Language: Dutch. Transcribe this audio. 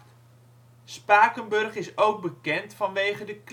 Spakenburg is ook bekend vanwege de